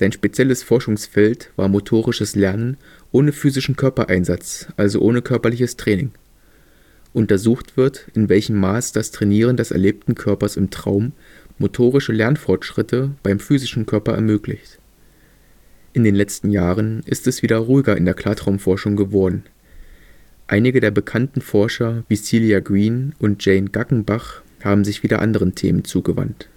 spezielles Forschungsfeld war motorisches Lernen ohne physischen Körpereinsatz, also ohne körperliches Training. Untersucht wird, in welchem Maß das Trainieren des erlebten Körpers im Traum motorische Lernfortschritte beim physischen Körper ermöglicht. In den letzten Jahren ist es wieder ruhiger in der Klartraumforschung geworden. Einige der bekannten Forscher wie Celia Green und Jayne Gackenbach haben sich wieder anderen Themen zugewandt